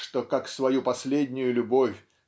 что как свою последнюю любовь